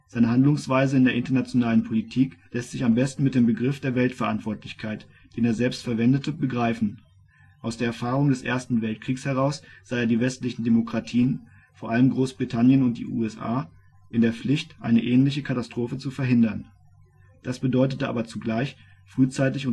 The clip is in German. Seine Handlungsweise in der internationalen Politik lässt sich am besten mit dem Begriff der " Weltverantwortlichkeit ", den er selbst verwendete, begreifen. Aus der Erfahrung des Ersten Weltkriegs heraus sah er die westlichen Demokratien - vor allem Großbritannien und die USA - in der Pflicht, eine ähnliche Katastrophe zu verhindern. Das bedeutete aber zugleich, frühzeitig